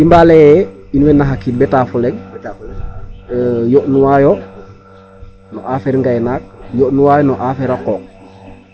I mba lay ee in way na xa qiid ɓeta fo leŋ yo'nuwaayo no affaire ngaynaak, yo'nuwaayo no affaire a qooq.